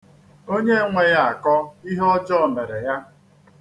Onye enweghị akọ ihe ọjọọ mere ya.